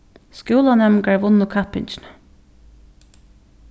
skúlanæmingar vunnu kappingina